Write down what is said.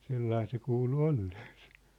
sellainen se kuului olleen se